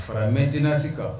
Faramɛ jsi kan